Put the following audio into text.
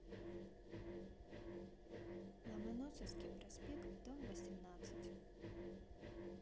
ломоносовский проспект дом восемнадцать